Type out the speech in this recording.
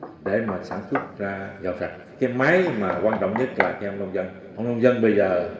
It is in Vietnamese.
để mà sản xuất ra rau sạch cái máy mà quan trọng nhất là trong nông dân nông dân bây giờ